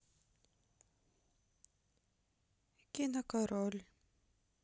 кино король